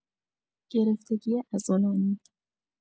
گرفتگی عضلانی